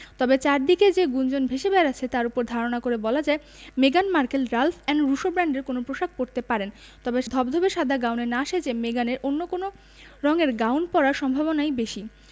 তবে চারদিকে যে গুঞ্জন ভেসে বেড়াচ্ছে তার ওপর ধারণা করে বলা যায় মেগান Markle Ralph and Russo ব্র্যান্ডের কোনো পোশাক পরতে পারেন ধবধবে সাদা গাউনে না সেজে মেগানের অন্য কোন রঙের গাউন পরার সম্ভাবনাই বেশি